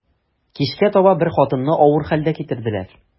Кичкә таба бер хатынны авыр хәлдә китерделәр.